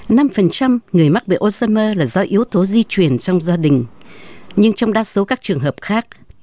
năm phần trăm người mắc bệnh ô de mơ là do yếu tố di truyền trong gia đình nhưng trong đa số các trường hợp khác